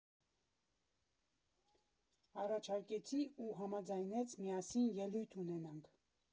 Առաջարկեցի ու համաձայնեց միասին ելույթ ունենանք։